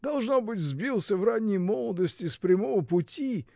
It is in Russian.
— Должно быть, сбился в ранней молодости с прямого пути.